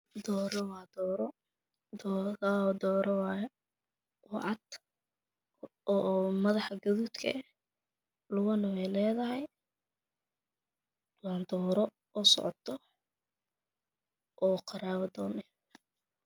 Waxani wa doro madaxana gadud ka tahay waxayna le dahahy lugo wana doro socoto oo qarabo don eh